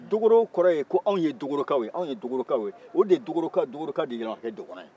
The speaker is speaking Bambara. dokoro kɔrɔ ye ko anw ye dokorokaw ye anw ye dokorokaw ye o de dokoroka dokoroka de yɛlɛmana ka kɛ dɔgɔnɔ ye